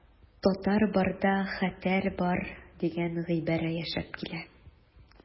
Татар барда хәтәр бар дигән гыйбарә яшәп килә.